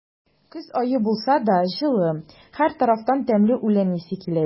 Көз ае булса да, җылы; һәр тарафтан тәмле үлән исе килә иде.